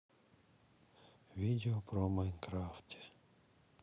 видео про в майнкрафте